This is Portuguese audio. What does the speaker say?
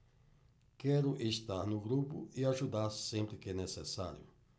quero estar no grupo e ajudar sempre que necessário